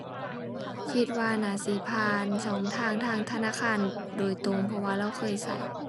คิดว่าน่าสิผ่านช่องทางทางธนาคารโดยตรง เพราะว่าเลาเคยใช้